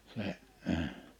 se ei